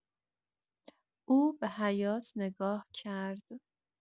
او به حیاط نگاه کرد.